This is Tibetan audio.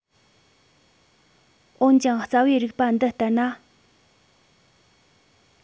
འོན ཀྱང རྩ བའི རིགས པ འདི ལྟར ན